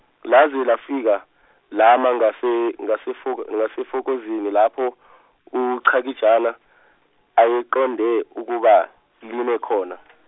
laze lafika, lama ngase- ngasefok- ngasefokozini lapho uChakijana ayeqonde ukuba lime khona.